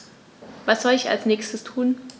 Was soll ich als Nächstes tun?